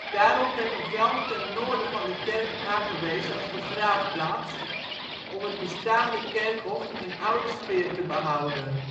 Daarop werd een veld ten noorden van de kerk aangewezen als begraafplaats om het bestaande kerkhof in oude sfeer te behouden